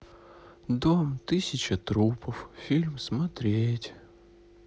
дом тысяча трупов фильм смотреть